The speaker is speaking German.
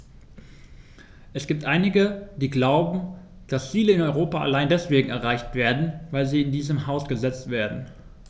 Es gibt einige, die glauben, dass Ziele in Europa allein deswegen erreicht werden, weil sie in diesem Haus gesetzt werden.